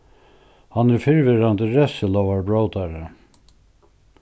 hann er fyrrverandi revsilógarbrótari